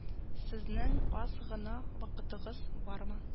Сезнең аз гына вакытыгыз бармы